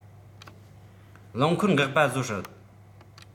རླངས འཁོར འགག པ བཟོ སྲིད